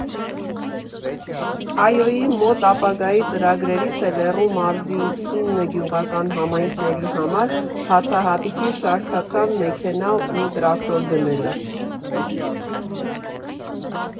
ԱՅՈ֊ի մոտ ապագայի ծրագրերից է Լոռու մարզի ինը գյուղական համայնքների համար հացահատիկի շարքացան մեքենա ու տրակտոր գնելը։